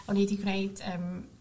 ...o'n i 'di gneud yym